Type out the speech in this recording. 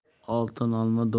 oltin olma duo